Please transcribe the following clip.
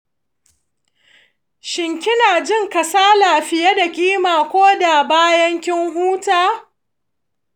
shin kina jin kasala fiye da kima koda bayan kin huta?